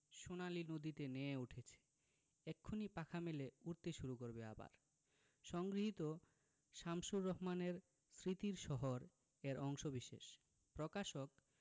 সোনালি নদীতে নেয়ে উঠেছে এক্ষুনি পাখা মেলে উড়তে শুরু করবে আবার সংগৃহীত শামসুর রাহমানের স্মৃতির শহর এর অংশবিশেষ প্রকাশক